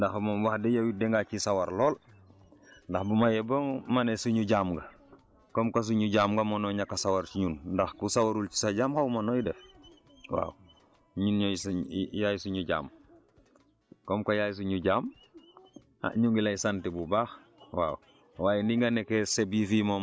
yow it maa ngi lay sant ndax moom wax dëgg yow it danga ci sawar lool ndax bu ma yeboo ma ne suñu jaam nga comme que suñu jaam nga munoo ñàkk a sawar si ñun ndax ku sawarul ci sa jaam xaw ma nooy def waaw ñun ñooy sa yaay suñu jaam comme que yaay suñu jaam ah ñu ngi lay sant bu baax waaw